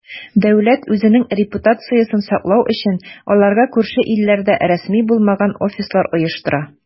Дәүләт, үзенең репутациясен саклау өчен, аларга күрше илләрдә рәсми булмаган "офислар" оештыра.